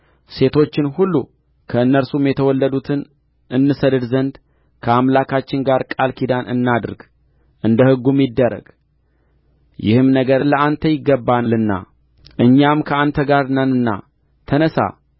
ሴቶችን ሁሉ ከእነርሱም የተወለዱትን እንሰድድ ዘንድ ከአምላካችን ጋር ቃል ኪዳን እናድርግ እንደ ሕጉም ይደረግ ይህም ነገር ለአንተ ይገባልና እኛም ከአንተ ጋር ነንና ተነሣ